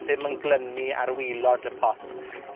ddim yn glynu ar wilod y pot.